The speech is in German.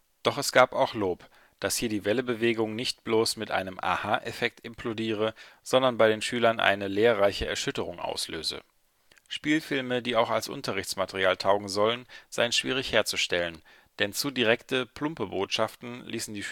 Doch es gab auch Lob, dass hier die Welle-Bewegung nicht bloß mit einem Aha-Effekt implodiere, sondern bei den Schülern eine lehrreiche Erschütterung auslöse. Spielfilme, die auch als Unterrichtsmaterial taugen sollen, seien schwierig herzustellen, denn zu direkte, plumpe Botschaften ließen die